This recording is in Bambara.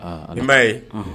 Nin b'a ye